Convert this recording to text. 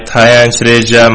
tayanch reja